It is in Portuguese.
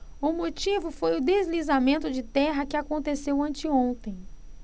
o motivo foi o deslizamento de terra que aconteceu anteontem